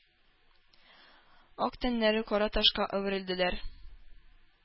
Ак тәннәре кара ташка әверелделәр